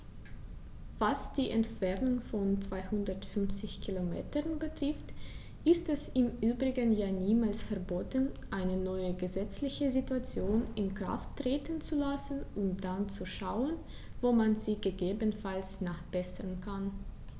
Was die Entfernung von 250 Kilometern betrifft, ist es im Übrigen ja niemals verboten, eine neue gesetzliche Situation in Kraft treten zu lassen und dann zu schauen, wo man sie gegebenenfalls nachbessern kann.